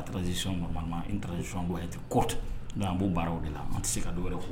A taarazsiɔn taarazsiɔnya tɛ kote an b'o baaraw de la an tɛ se ka dɔw yɛrɛ'